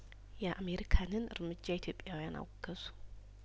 የአሜሪካንን እርምጃ ኢትዮጵያውያን አወገዙ